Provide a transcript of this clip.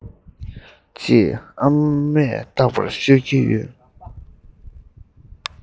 ཅེས ཨ མས རྟག པར ཤོད ཀྱི ཡོད